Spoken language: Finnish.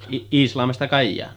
Iisalmesta Kajaaniin